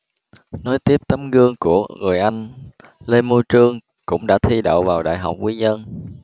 nối tiếp tấm gương của người anh lê mô trưng cũng đã thi đậu vào đại học quy nhơn